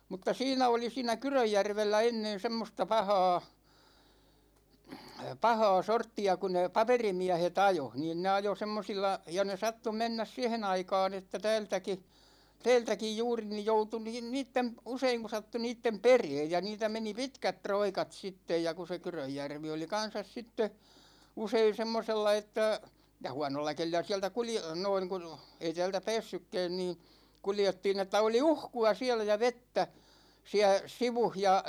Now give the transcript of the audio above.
mutta siinä oli siinä Kyrönjärvellä ennen semmoista pahaa pahaa sorttia kun ne paperimiehet ajoi niin ne ajoi semmoisilla ja ne sattui mennä siihen aikaan että täältäkin täältäkin juuri niin joutui niin niiden - usein kun sattui niiden perään ja niitä meni pitkät roikat sitten ja kun se Kyrönjärvi oli kanssa sitten usein semmoisella että ja huonolla kelillä sieltä - noin kun ei täältä päässytkään niin kuljettiin että oli uhkua siellä ja vettä siellä sivussa ja